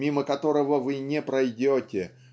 мимо которого вы не пройдете